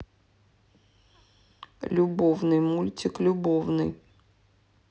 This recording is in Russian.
любовный мультик любовный